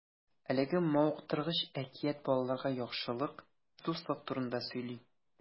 Әлеге мавыктыргыч әкият балаларга яхшылык, дуслык турында сөйли.